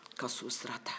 ka so sira ta